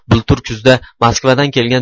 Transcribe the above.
bultur kuzda moskvadan kelgan